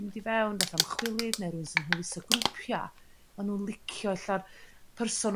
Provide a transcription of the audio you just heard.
'di mynd i fewn fath a ymchwilydd ne' rywun sy'n hwyluso grwpia' ma'n nhw'n licio ella'r person